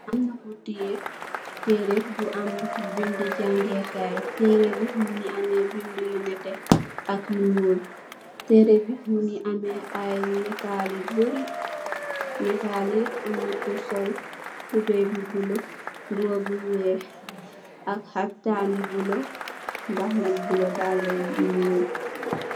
Am na ku tiyee, tëre jañgee kaay. Tëre bi, mu ngi am, bindë yu nétté ak y ñuul. Tëre bi, mu ngi an ay nataal yu bëri. Nataal yi, am na ku sol tubööy bu bulo, mbuba bu weex, ak xaftaan bu bulo, mbaxana bu bulo, daalë yu ñuul.